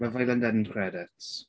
Love Island end credits.